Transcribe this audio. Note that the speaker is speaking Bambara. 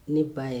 Ne ba y